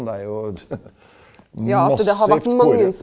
det er jo massivt.